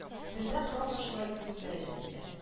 Бездә корал да шулай ук юк дәрәҗәсендә